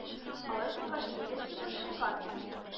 Алай булгач нигә син борчылган